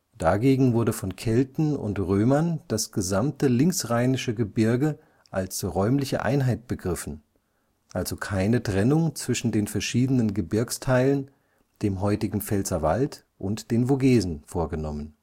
Dagegen wurde von Kelten und Römern das gesamte linksrheinische Gebirge als räumliche Einheit begriffen, also keine Trennung zwischen den verschiedenen Gebirgsteilen, dem heutigen Pfälzerwald und den Vogesen, vorgenommen